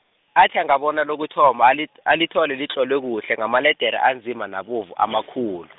athi angabona lokuthoma alit- alithole litlolwe kuhle ngamaledere anzima, nabovu amakhulu.